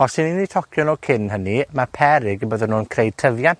Os 'yn ni'n 'i tocio nw cyn hynny, ma' peryg y byddan nw'n creu tyfiant